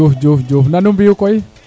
Diouf Diouf nam nu mbiyu koy